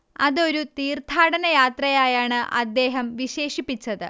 അത് ഒരു തീർത്ഥാടനയാത്രയായാണ് അദ്ദേഹം വിശേഷിപ്പിച്ചത്